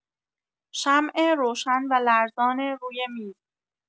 شمع روشن و لرزان روی میز